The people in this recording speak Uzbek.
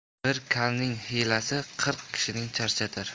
bir kalning hiylasi qirq kishini charchatar